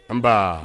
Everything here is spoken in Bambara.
Nba